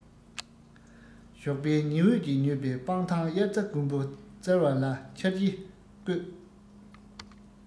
ཞོགས པའི ཉི འོད ཀྱིས མྱོས པའི སྤང ཐང དབྱར རྩྭ དགུན འབུ བཙལ བ ལ འཆར གཞི བཀོད